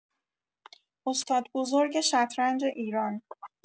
استاد بزرگ شطرنج ایران